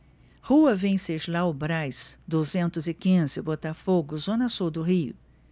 rua venceslau braz duzentos e quinze botafogo zona sul do rio